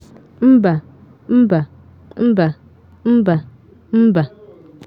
“Mba, mba, mba, mba, mba.